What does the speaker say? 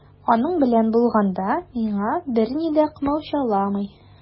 Аның белән булганда миңа берни дә комачауламый.